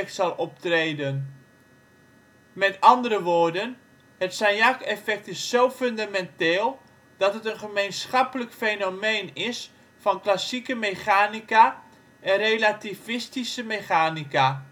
zal optreden. Met andere woorden, het Sagnac-effect is zo fundamenteel dat het een gemeenschappelijk fenomeen is van klassieke mechanica en relativistische mechanica